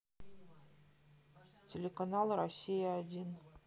телеканал россия один